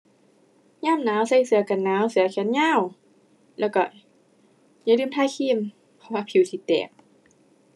ยามหนาวใส่เสื้อกันหนาวเสื้อแขนยาว แล้วก็อย่าลืมทาครีม เพราะว่าผิวสิแตก